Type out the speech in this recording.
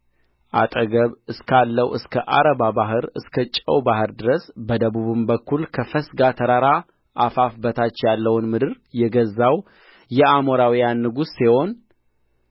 አጠገብ እስካለው እስከ አረባ ባሕር እስከ ጨው ባሕር ድረስ በደቡብም በኩል ከፈስጋ ተራራ አፋፍ በታች ያለውን ምድር የገዛው የአሞራውያን ንጉሥ ሴዎን